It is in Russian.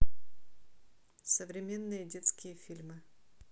современные детские фильмы